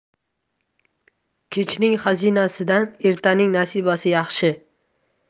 kechning xazinasidan ertaning nasibasi yaxshi